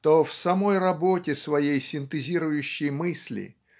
то в самой работе своей синтезирующей мысли